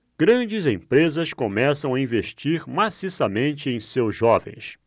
grandes empresas começam a investir maciçamente em seus jovens